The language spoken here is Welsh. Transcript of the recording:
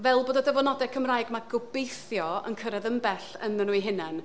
Fel bod y dyfynodau Cymraeg 'ma gobeithio yn cyrraedd yn bell ynddyn nhw eu hunain.